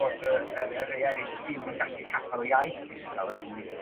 bod y y yr rei er'ill ddim yn gallu caffael yr iaith gystal ydw i